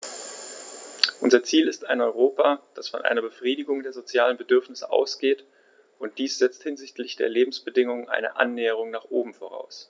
Unser Ziel ist ein Europa, das von einer Befriedigung der sozialen Bedürfnisse ausgeht, und dies setzt hinsichtlich der Lebensbedingungen eine Annäherung nach oben voraus.